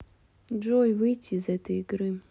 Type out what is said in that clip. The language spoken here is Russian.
джой выйти из этой игры